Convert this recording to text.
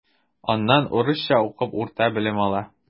Аннан урысча укып урта белем ала.